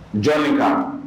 Jɔn min kan